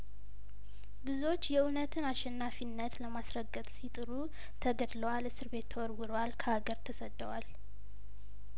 ብዙዎች የእውነትን አሸናፊነት ለማስረገጥ ሲጥሩ ተገድለዋል እስር ቤት ተወርውረዋል ከሀገር ተሰደዋል